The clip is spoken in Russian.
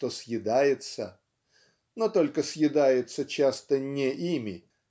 что съедается" (но только съедается часто не ими)